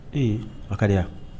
Ee akari